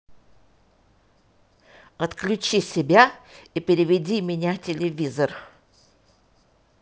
отключи себя и переведи меня телевизор